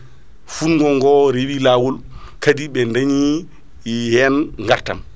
fungongo reewi lawol kaadi ɓe dañi hen gartam